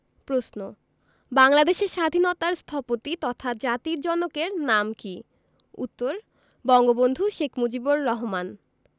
প্রশ্ন বাংলাদেশের স্বাধীনতার স্থপতি তথা জাতির জনকের নাম কী উত্তর বঙ্গবন্ধু শেখ মুজিবুর রহমান